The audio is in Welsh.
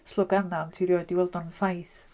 Sloganau ond ti erioed 'di weld o'n ffaith.